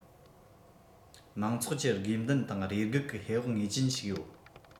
མང ཚོགས ཀྱི དགོས འདུན དང རེ སྒུག ཀྱི ཧེ བག ངེས ཅན ཞིག ཡོད